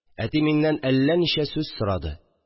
Әти миннән әллә ничә сүз сорады